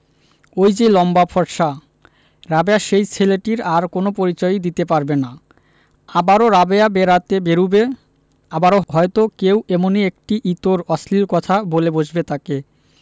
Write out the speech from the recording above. ঐ যে লম্বা ফর্সা রাবেয়া সেই ছেলেটির আর কোন পরিচয়ই দিতে পারবে না আবারও রাবেয়া বেড়াতে বেরুবে আবারো হয়তো কেউ এমনি একটি ইতর অশ্লীল কথা বলে বসবে তাকে